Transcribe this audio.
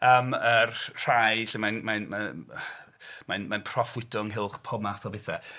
Yym y rhai lle mae'n... mae'n... mae'n proffwydo ynghylch pob math o bethau.